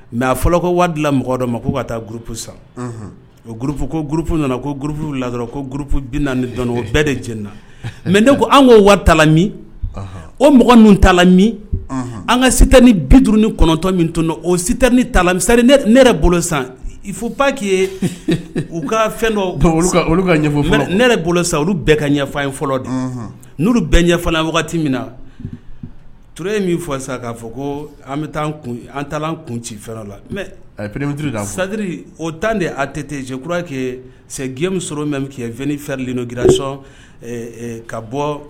Mɛ a fɔlɔ ka waatidula mɔgɔ ma ko ka taa gp san o gp gp nana ko gurp la ko gurp o bɛɛ de ti na mɛ ne ko an ko waatitala min o mɔgɔ tala min an ka set ni bid ni kɔnɔntɔn min o siri bolo san fo paki u ka fɛn dɔ ka ne bolo sa olu bɛɛ ka in fɔlɔ de n' bɛɛ wagati min na tro ye min fɔ sa k'a fɔ ko an bɛ taa an ta an kun ci fɛrɛ la mɛ sadiri o tan de' tɛte kura sɛ sɔrɔ bɛ2 fɛrili' grac ka bɔ